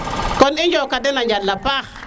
kon i njoka dela njala paax